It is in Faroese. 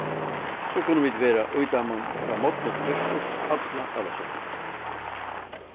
so kunnu vit vera í teimum frá morgni til myrkurs alla ólavsøkuna